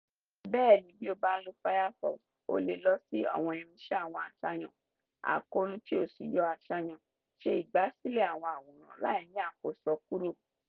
(Bẹ́ẹ̀ ni, bí o bá ń lo Firefox o lè lọ sí àwọn Irinṣẹ́ -> àwọn Àṣàyàn -> Àkóónú kí ó sì yọ àṣàyàn 'Ṣe ìgbàsílẹ̀ àwọn àwòrán láìní àkóso' kúrò.